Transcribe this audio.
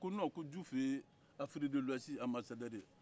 ko nɔn ko jufu ye afiriki de luwɛsi ka amasadɛri ye